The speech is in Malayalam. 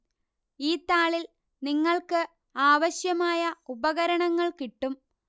ഈ താളിൽ നിങ്ങൾക്ക് ആവശ്യമായ ഉപകരണങ്ങൾ കിട്ടും